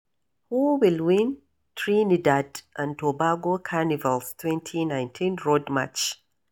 Who will win Trinidad & Tobago Carnival's 2019 Road March?